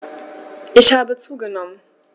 Ich habe zugenommen.